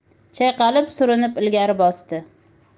chayqalib surinib ilgari bosdi